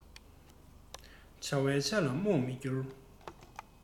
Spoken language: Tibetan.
བྱ བའི ཆ ལ རྨོངས མི འགྱུར